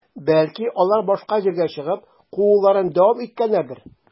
Бәлки, алар башка җирдә чыгып, кууларын дәвам иткәннәрдер?